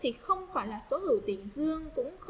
không phải là số hữu tỉ dương cũng